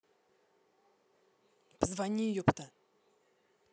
позвони епта